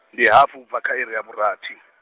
ndi hafhu uya kha awara ya vhurathi.